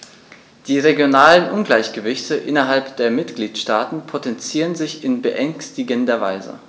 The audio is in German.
Die regionalen Ungleichgewichte innerhalb der Mitgliedstaaten potenzieren sich in beängstigender Weise.